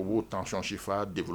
U b'o tasononsifa de